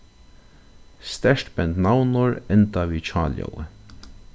sterkt bend navnorð enda við hjáljóði